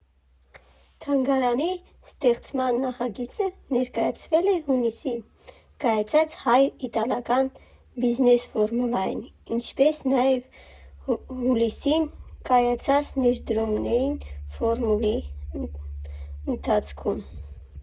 Թանգարանի ստեղծման նախագիծը ներկայացվել է հունիսին կայացած Հայ֊իտալական բիզնես ֆորումին, ինչպես նաև հուլիսին կայացած ներդրումային ֆորումի ընթացքում։